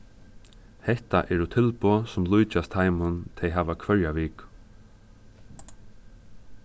hetta eru tilboð sum líkjast teimum tey hava hvørja viku